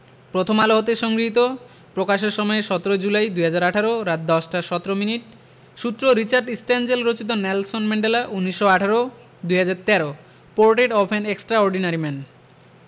প্রথম আলো হতে সংগৃহীত প্রকাশের সময় ১৭ জুলাই ২০১৮ রাত ১০টা ১৭ মিনিট সূত্র রিচার্ড স্ট্যানজেল রচিত Nelson Mandela ১৯১৮ ২০১৩ portrait of an extraordinary man